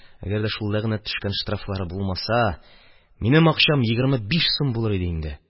Әгәр шул ләгънәт төшкән штрафлары булмаса, минем акчам егерме биш сум булыр иде инде.